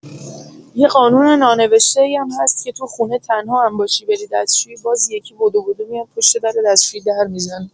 یه قانون نانوشته‌ای هم هست که تو خونه تنها هم‌باشی بری دستشویی باز یکی بدو بدو میاد پشت در دستشویی در می‌زنه.